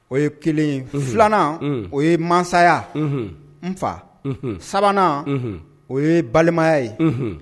O ye kelen filanan o ye masaya nfa sabanan o ye balimaya ye